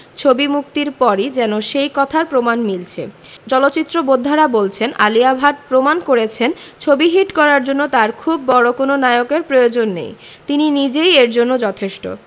ছবি মুক্তির পরই যেন সেই কথার প্রমাণ মিলছে চলচ্চিত্র বোদ্ধারা বলছেন আলিয়া ভাট প্রমাণ করেছেন ছবি হিট করার জন্য তার খুব বড় কোনো নায়কের প্রয়োজন নেই তিনি নিজেই এর জন্য যথেষ্ট